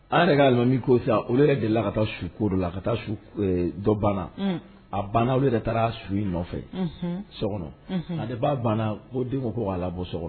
An' yɛrɛ ka alimami ko sisan olu yɛrɛ delila ka taa su ko dɔla ka taa su k ee dɔ banna unn a banna olu yɛrɛ taara su in nɔfɛ unhun sɔkɔnɔ unhun a depuis a banna ko den ŋo ko k'a labɔ sɔkɔnɔ